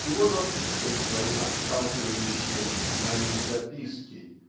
и вот он пишет свои отталкивающие "Мои записки"